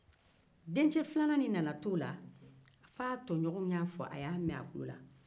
dencɛ filanan nana t'o la fo a tɔɲɔgɔnw y'a fɔ a y'a mɛn